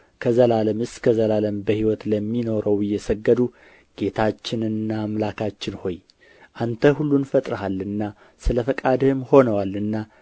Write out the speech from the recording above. ከዘላለም እስከ ዘላለም በሕይወት ለሚኖረው እየሰገዱ ጌታችንና አምላካችን ሆይ አንተ ሁሉን ፈጥረሃልና ስለ ፈቃድህም ሆነዋልና